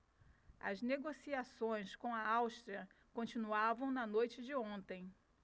as negociações com a áustria continuavam na noite de ontem